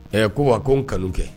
Ɛ ko wa ko n kanu kɛ